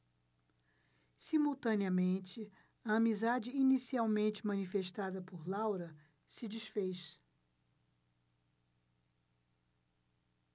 simultaneamente a amizade inicialmente manifestada por laura se disfez